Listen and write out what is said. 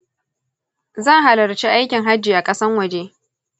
zan halarci aikin hajji a ƙasan waje.